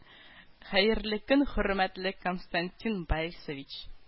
Хәерле көн, хөрмәтле Константин Борисович